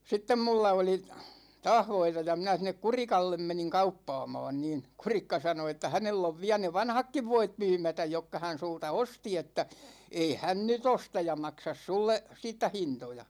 sitten minulla oli taas voita ja minä sinne Kurikalle menin kauppaamaan niin Kurikka sanoi että hänellä on vielä ne vanhatkin voit myymättä jotka hän sinulta osti että ei hän nyt osta ja maksa sinulle siitä hintoja